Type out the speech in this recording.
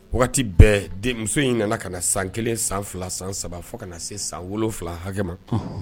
Wagati bɛɛ den muso in nana ka na san kelen san fila san saba fo ka na se san wolonwula hakɛ ma